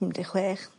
Pum de' chwech.